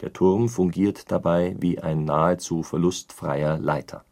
Der Turm fungiert dabei wie ein nahezu verlustfreier Leiter